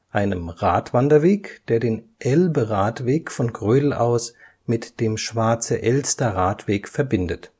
einem Radwanderweg, der den Elberadweg von Grödel aus mit dem Schwarze-Elster-Radweg verbindet